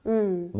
ja.